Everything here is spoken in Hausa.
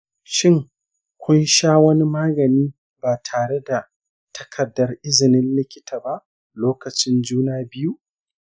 shin kun sha wani magani ba tare da takardar izinin likita ba lokacin juna biyu?